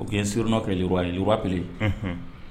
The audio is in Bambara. O ye sruna kɛ wa kelen